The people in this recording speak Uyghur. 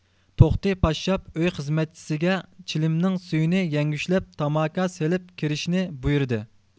توختى پاششاپ ئۆي خىزمەتچىسىگە چىلىمنىڭ سۈيىنى يەڭگۈشلەپ تاماكا سېلىپ كىرىشىنى بۇيرىدى